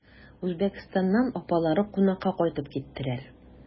Үзбәкстаннан апалары кунакка кайтып киттеләр.